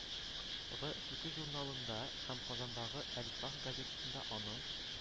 Гы «чүкеч» журналында һәм казандагы «әлислах» газетасында аның